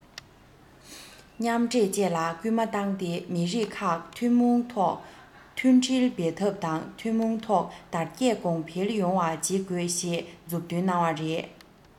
མཉམ འདྲེས བཅས ལ སྐུལ མ བཏང སྟེ མི རིགས ཁག ཐུན མོང ཐོག མཐུན སྒྲིལ འབད འཐབ དང ཐུན མོང ཐོག དར རྒྱས གོང འཕེལ ཡོང བ བྱེད དགོས ཞེས མཛུབ སྟོན གནང བ རེད